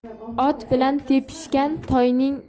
ot bilan tepishgan